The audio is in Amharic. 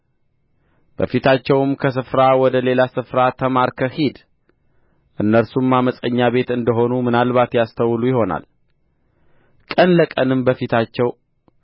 በፊታቸውም ከስፍራ ወደ ሌላ ስፍራ ተማርከህ ሂድ እነርሱም ዓመፀኛ ቤት እንደ ሆኑ ምናልባት ያስተውሉ ይሆናል ቀን ለቀንም በፊታቸው